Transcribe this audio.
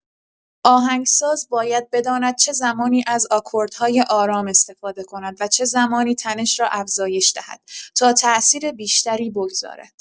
آهنگساز باید بداند چه زمانی از آکوردهای آرام استفاده کند و چه زمانی تنش را افزایش دهد تا تاثیر بیشتری بگذارد.